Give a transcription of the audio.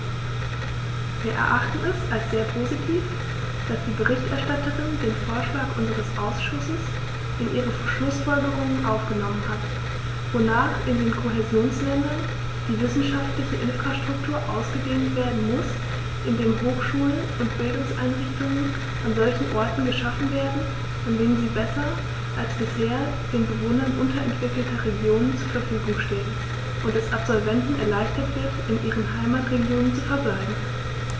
Wir erachten es als sehr positiv, dass die Berichterstatterin den Vorschlag unseres Ausschusses in ihre Schlußfolgerungen aufgenommen hat, wonach in den Kohäsionsländern die wissenschaftliche Infrastruktur ausgedehnt werden muss, indem Hochschulen und Bildungseinrichtungen an solchen Orten geschaffen werden, an denen sie besser als bisher den Bewohnern unterentwickelter Regionen zur Verfügung stehen, und es Absolventen erleichtert wird, in ihren Heimatregionen zu verbleiben.